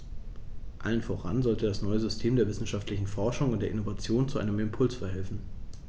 Allem voran sollte das neue System der wissenschaftlichen Forschung und der Innovation zu einem Impuls verhelfen.